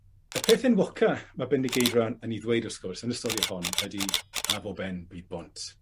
Y peth enwoca ma' Bendigeidfran yn 'i ddweud wrth gwrs yn y stori hon ydi a fo ben bid bont.